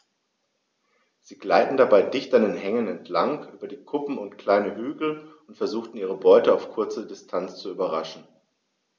Sie gleiten dabei dicht an Hängen entlang, über Kuppen und kleine Hügel und versuchen ihre Beute auf kurze Distanz zu überraschen.